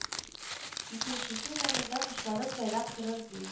Икенчесе яныңда кошлары сайрап торыр ди